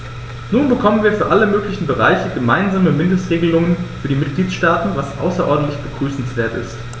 Nun bekommen wir für alle möglichen Bereiche gemeinsame Mindestregelungen für die Mitgliedstaaten, was außerordentlich begrüßenswert ist.